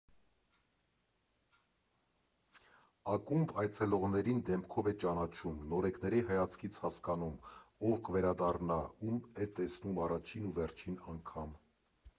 Ակումբ այցելողներին դեմքով է ճանաչում, նորեկների հայացքից հասկանում՝ ով կվերադառնա, ում է տեսնում առաջին ու վերջին անգամ։